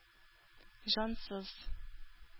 Җансыз